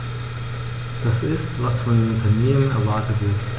Das ist, was von den Unternehmen erwartet wird.